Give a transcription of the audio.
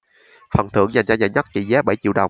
phần thưởng dành cho giải nhất trị giá bảy triệu đồng